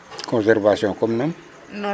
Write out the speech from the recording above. conservation comme nan?